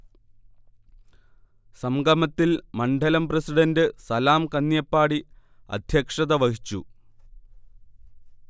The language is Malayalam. സംഗമത്തിൽ മണ്ഢലം പ്രസിഡന്റ് സലാം കന്ന്യപ്പാടി അദ്ധ്യക്ഷത വഹിച്ചു